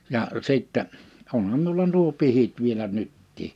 ja sitten onhan minulla nuo pihdit vielä nytkin